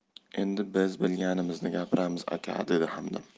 endi biz bilganimizni gapiramiz aka dedi hamdam